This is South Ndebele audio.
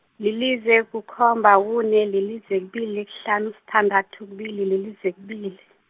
lilize, kukhomba, kune, lilize, kubili, kuhlanu, sithandathu, kubili, lilize, kubili.